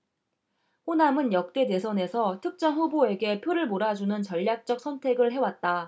호남은 역대 대선에서 특정 후보에게 표를 몰아주는 전략적 선택을 해왔다